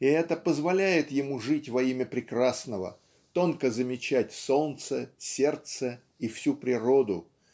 и это позволяет ему жить во имя прекрасного тонко замечать солнце сердце и всю природу